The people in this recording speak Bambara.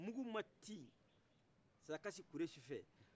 mugu ma ci sarakasi kuresi fɛ